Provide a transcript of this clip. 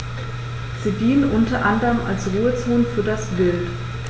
Sie dienen unter anderem als Ruhezonen für das Wild.